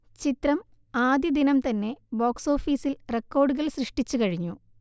ചിത്രം ആദ്യദിനം തന്നെ ബോക്സ്ഓഫീസിൽ റെക്കോർഡുകൾ സൃഷ്ടിച്ച് കഴിഞ്ഞു